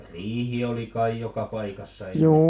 riihi oli kai joka paikassa ennen